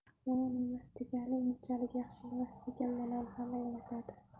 yomon emas deganing unchalik yaxshi emas degan manoni ham anglatadi